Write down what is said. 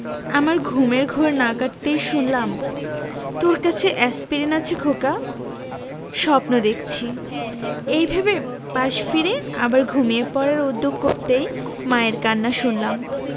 আমার ঘুমের ঘোর না কাটতেই শুনলাম তোর কাছে এ্যাসপিরিন আছে খোকা স্বপ্ন দেখছি এই ভেবে পাশে ফিরে আবার ঘুমিয়ে পড়ার উদ্যোগ করতেই মায়ের কান্না শুনলাম